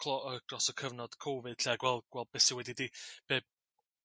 clo dros y cyfnod covid 'llu a gwel- gweld be sy'